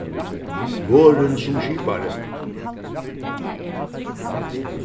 vorðin sum skipari